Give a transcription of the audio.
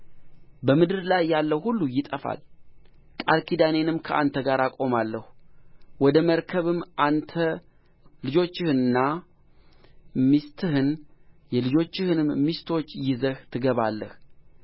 ታችኛውንም ሁለተኛውንም ሦስተኛውንም ደርብ ታደርግላታለህ እኔም እነሆ ከሰማይ በታች የሕይወት ነፍስ ያለውን ሥጋ ሁሉ ለማጥፋት በምድር ላይ የጥፋት ውኃን አመጣለሁ